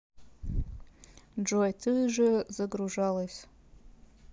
джой ты же загружалась